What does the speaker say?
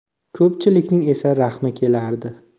ko'pchilikning esa rahmi kelardi